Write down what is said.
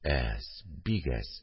Әз, бик әз